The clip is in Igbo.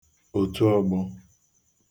otu ogbọ